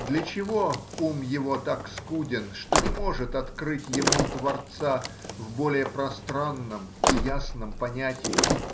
Для чего ум его так скуден, что не может открыть ему творца в более пространном и ясном понятии?